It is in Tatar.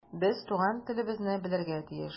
Без туган телебезне белергә тиеш.